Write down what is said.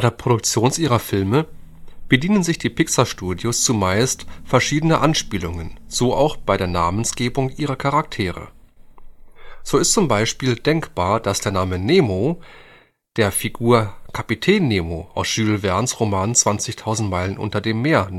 Produktion ihrer Filme bedienen sich die Pixar Studios zumeist verschiedener Anspielungen, so auch bei der Namensgebung ihrer Charaktere. So ist z. B. denkbar, dass der Name Nemo der Figur Kapitän Nemo aus Jules Vernes Roman 20.000 Meilen unter dem Meer nachempfunden